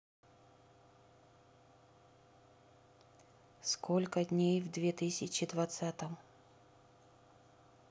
сколько дней в две тысячи двадцатом